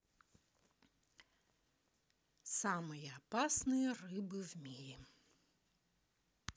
самые опасные рыбы в мире